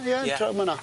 Ie. Ie. Draw myn 'na.